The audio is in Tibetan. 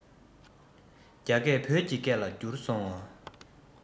རྒྱ སྐད བོད ཀྱི སྐད ལ འགྱུར སོང ངོ